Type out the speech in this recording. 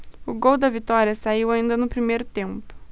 o gol da vitória saiu ainda no primeiro tempo